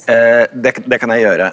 det det kan jeg gjøre.